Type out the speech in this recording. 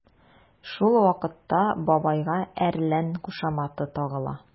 Шул вакытта бабайга “әрлән” кушаматы тагыла.